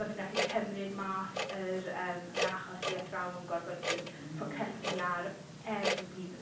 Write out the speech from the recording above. Ma' fe'n gallu cymryd mas yr yym yr achos i athrawon gorfod sort of ffocysu ar... er b- bydd...